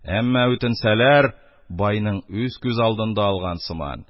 Әмма үтенсәләр, байның үз күз алдында алган сыман,